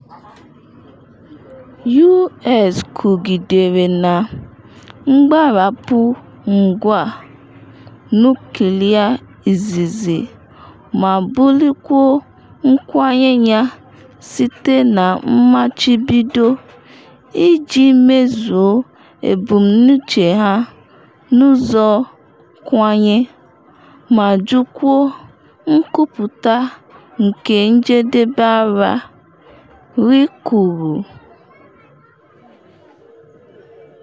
“U.S kwụgidere na “mgbarapụ ngwa nuklịa-izizi” ma bulikwuo nkwanye ya site na mmachibido iji mezuo ebumnuche ha n’ụzọ nkwanye, ma jụkwuo “nkwuputa nke njedebe agha” Ri kwuru.